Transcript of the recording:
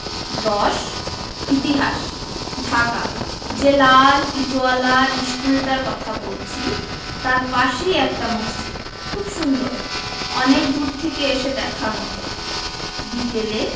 ১০ ইতিহাস ঢাকা যে লাল ইটোয়ালা ইশকুলটার কথা বলছি তাই পাশেই একটা মসজিদ খুব সুন্দর অনেক দূর থেকে এসে দেখার মতো বিকেলে